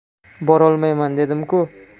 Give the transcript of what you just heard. borolmayman dedim ku